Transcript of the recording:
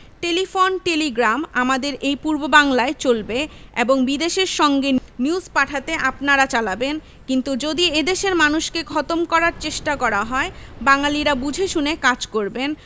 telephone telegram আমাদের এই পূর্ব বাংলায় চলবে এবং বিদেশের সংগে নিউজ পাঠাতে আপনারা চালাবেন কিন্তু যদি এদেশের মানুষকে খতম করার চেষ্টা করা হয় বাঙ্গালীরা বুঝে শুনে কাজ করবেন